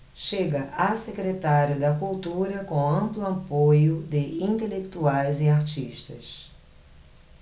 chega a secretário da cultura com amplo apoio de intelectuais e artistas